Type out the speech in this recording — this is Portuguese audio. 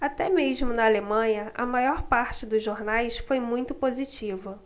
até mesmo na alemanha a maior parte dos jornais foi muito positiva